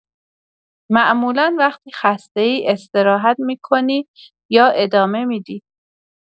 معمولا وقتی خسته‌ای استراحت می‌کنی یا ادامه می‌دی؟